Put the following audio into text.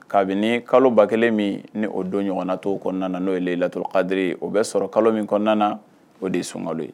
Kabini kalo 1000 min ni o don ɲɔgɔnna t'o kɔɔna na n'o ye lehilatul kadiri o be sɔrɔ kalo min kɔɔna na o de ye suŋalo ye